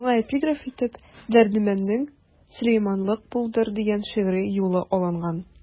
Аңа эпиграф итеп Дәрдмәнднең «Сөләйманлык будыр» дигән шигъри юлы алынган.